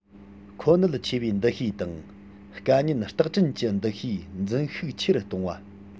མཁོ གནད ཆེ བའི འདུ ཤེས དང དཀའ ཉེན རྟག དྲན གྱི འདུ ཤེས འཛིན ཤུགས ཆེ རུ གཏོང བ